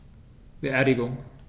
Beerdigung